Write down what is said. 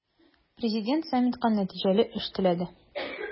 Президент саммитка нәтиҗәле эш теләде.